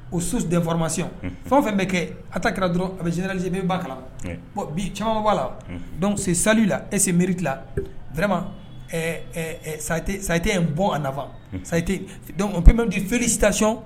O su tɛfamasi fɛn fɛn bɛ kɛ a ta kira dɔrɔn a bɛ zinaaliebba kalan bɔn bi caman la dɔn se sali la ese miiririti drɛma sate n bɔn a nafa sayite peptieretacɔn